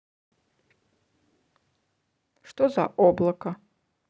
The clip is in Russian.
что за облако